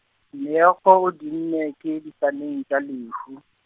Meokgo o dinne ke disaneng tša lehu.